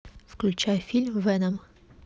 включай фильм веном